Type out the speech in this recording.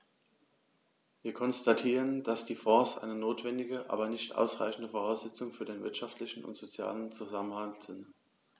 Wir konstatieren, dass die Fonds eine notwendige, aber nicht ausreichende Voraussetzung für den wirtschaftlichen und sozialen Zusammenhalt sind.